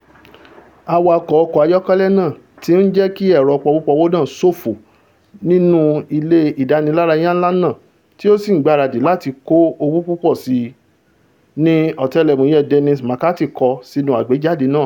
Awạko ọkọ̀ ayọ́kẹ́lẹ́ náà ti ń jẹ́kí ẹ̀rọ pọwó-pọwó náà sófo nínú ilé ìdánilárayá ńlá náà tí ó sì ń gbaradì láti kó owó púpọ̀ síi, ni Ọ̀tẹlẹ̀múyẹ Dennis McCarthy kọ sínú àgbéjáde náà.